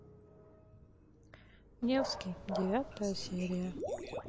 невский девятая серия